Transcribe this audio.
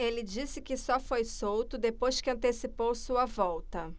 ele disse que só foi solto depois que antecipou sua volta